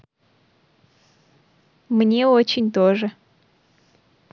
мне очень тоже